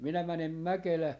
minä menen Mäkelään